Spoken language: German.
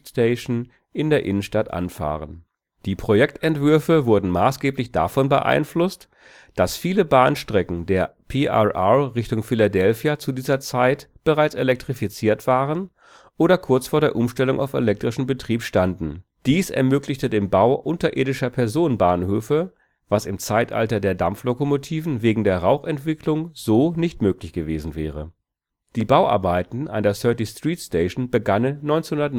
Station in der Innenstadt anfahren. Die Projektentwürfe wurden maßgeblich davon beeinflusst, dass viele Bahnstrecken der PRR Richtung Philadelphia zu dieser Zeit bereits elektrifiziert waren oder kurz vor der Umstellung auf elektrischen Betrieb standen. Dies ermöglichte den Bau unterirdischer Personenbahnhöfe, was im Zeitalter der Dampflokomotiven wegen der Rauchentwicklung so nicht möglich gewesen wäre. Die Bauarbeiten an der 30th Street Station begannen 1929